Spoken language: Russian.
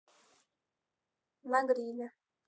на гриле